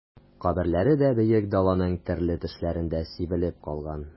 Каберләре дә Бөек Даланың төрле төшләрендә сибелеп калган...